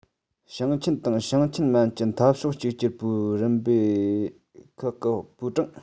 ཞིང ཆེན དང ཞིང ཆེན མན གྱི འཐབ ཕྱོགས གཅིག གྱུར པུའུ རིམ པ ཁག གི པུའུ ཀྲང